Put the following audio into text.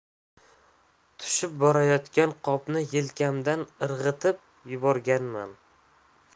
tushib borayotgan qopni yelkamdan irg'itib yuborganman